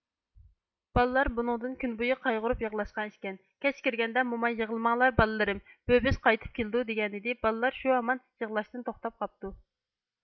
بالىلار بۇنىڭدىن كۈنبويى قايغۇرۇپ يىغلاشقان ئىكەن كەچ كىرگەندە موماي يىغلىماڭلار بالىلىرىم بۆبۈش قايتىپ كېلىدۇ دېگەنىكەن بالىلار شۇ ھامان يىغلاشتىن توختاپ قاپتۇ